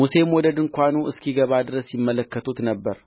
ሙሴም ወደ ድንኳኑ እስኪገባ ድረስ ይመለከቱት ነበር